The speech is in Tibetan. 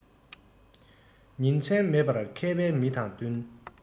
ཉིན མཚན མེད པར མཁས པའི མི དང བསྟུན